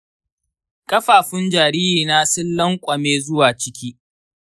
ƙafafun jaririna sun lankwame zuwa ciki